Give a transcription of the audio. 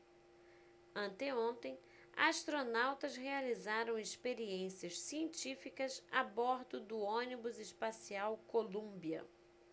anteontem astronautas realizaram experiências científicas a bordo do ônibus espacial columbia